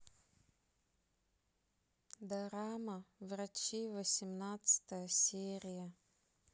дорама врачи восемнадцатая серия